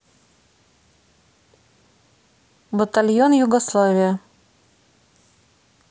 батальон югославия